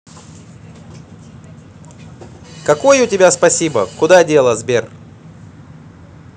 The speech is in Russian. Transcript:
какой у тебя спасибо куда дела сбер